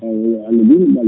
yo Allah juutnu